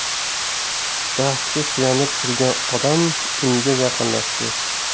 daraxtga suyanib turgan odam unga yaqinlashdi